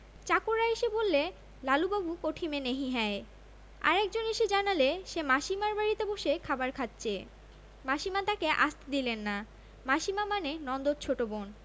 চাকররা এসে বললে লালুবাবু কোঠি মে নহি হ্যায় আর একজন এসে জানালে সে মাসীমার বাড়িতে বসে খাবার খাচ্ছে মাসীমা তাকে আসতে দিলেন নামাসিমা মানে নন্দর ছোট বোন